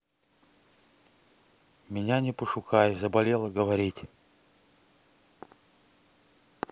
меня не пошукай заболела говорить